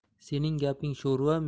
sening gaping sho'rva